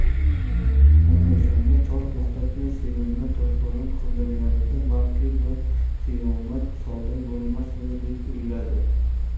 ana o'shanda chol to'xtatmay selimni toshbo'ron qildirganida balki bu qiyomat sodir bo'lmasmidi deb o'ylaydi